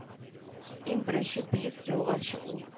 Иң беренче бөек ялганчы ул